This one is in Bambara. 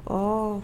Ɔ